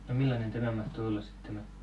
no millainen tämä mahtoi olla sitten tämä